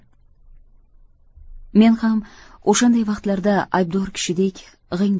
men ham o'shanday vaqtlarda aybdor kishidek g'ing